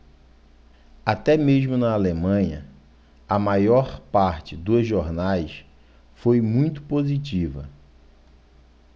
até mesmo na alemanha a maior parte dos jornais foi muito positiva